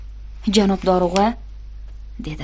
janob dorug'a dedi